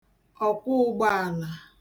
ọ̀kwọụ̄gbọ̄àlà